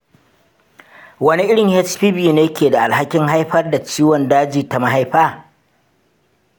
wane irin hpv ne ke da alhakin haifar da ciwon daji ta mahaifa ?